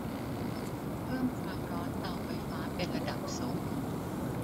เพิ่มความร้อนเตาไฟฟ้าเป็นระดับสูง